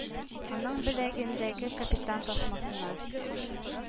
Аның беләгендәге капитан тасмасына